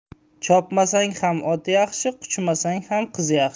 chopmasang ham ot yaxshi quchmasang ham qiz yaxshi